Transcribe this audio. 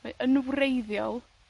Mae yn wreiddiol